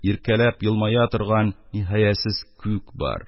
Иркәләп елмая торган ниһаясез күк бар,